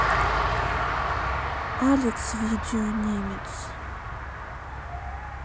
алекс видео немец